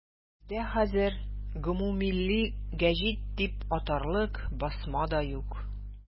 Бездә хәзер гомуммилли гәҗит дип атарлык басма да юк.